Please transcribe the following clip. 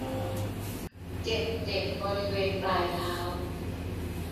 เจ็บเจ็บบริเวณปลายเท้า